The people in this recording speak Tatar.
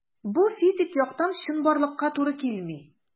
Бу физик яктан чынбарлыкка туры килми.